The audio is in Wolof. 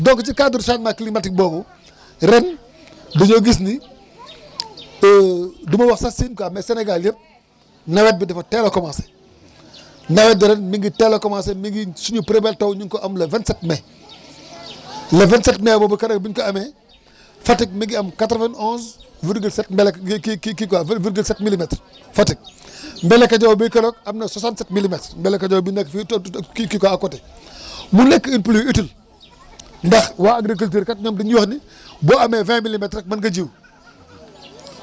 donc ci cadre changement climatique boobu ren dañoo gis ni du ma wax sax Sine quou mais Sénégal yëpp nawet bi dafa teel a commencé nawet bi ren mi ngi teel a commencé mi ngi suñu première taw ~u ngi ko am le 27 mai le 27 mai boobu keroog bi ñu ko amee Fatick mi ngi am 91 virgule 7 melo ki ki ki quoi virgule 7 milimètre Fatick Mbeelakadiao bii keroog am na 67 milimètres Mbeelakadiao bi nekk fii to kii kii quoi à côté mu nekk une pluie utile ndax waa agriculture kat ñoom dañ ñu wax ni boo amee 20 milimètres rek mën nga jiw